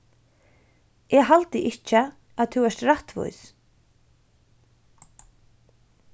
eg haldi ikki at tú ert rættvís